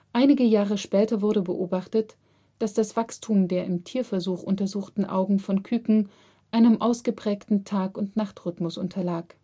Einige Jahre später wurde beobachtet, dass das Wachstum der im Tierversuch untersuchten Augen von Küken einem ausgeprägten Tag - und Nachtrhythmus unterlag